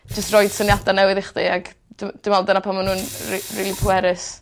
jys roid syniada newydd i chdi ag dwi dwi me'wl dyna pan ma' nw'n ri- rili pwerus.